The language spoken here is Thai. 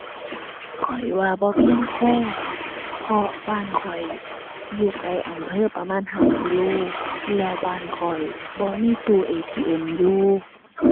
ข้อยว่าบ่เพียงพอ เพราะบ้านข้อยอยู่ไกลอำเภอประมาณห้ากิโล แล้วบ้านข้อยบ่มีตู้ ATM อยู่